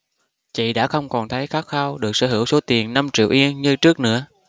chị đã không còn thấy khát khao được sở hữu số tiền năm triệu yen như trước nữa